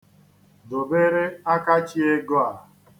Dobere Akachi ego a.